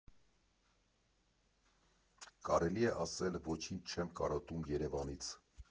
Կարելի է ասել՝ ոչինչ չեմ կարոտում Երևանից։